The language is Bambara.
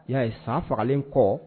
Yaa ye san fagalen kɔ